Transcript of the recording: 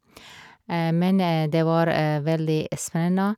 Men det var veldig spennende.